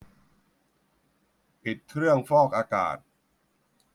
ปิดเครื่องฟอกอากาศ